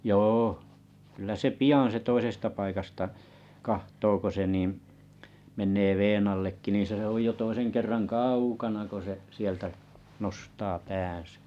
joo kyllä se pian se toisesta paikasta katsoo kun se niin menee veden allekin niin se on jo toisen kerran kaukana kun se sieltä nostaa päänsä